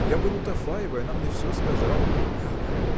Я был у Тафаевой: она мне все сказала. – Как!